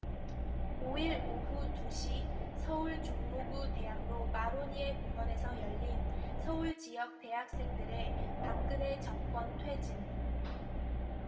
오 일 오후 두 시 서울 종로구 대학로 마로니에 공원에서 열린 서울지역 대학생들의 박근혜 정권 퇴진